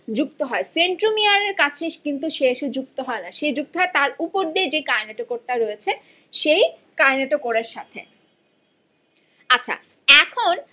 যুক্ত হয় সেন্ট্রোমিয়ার এর কাছে এসে কিন্তু শেষে যুক্ত হয় না সে যুক্ত হয় তার উপর দিয়ে যে কাইনেটোকোর রয়েছে সেই কাইনেটোকোর এর সাথে আচ্ছা এখন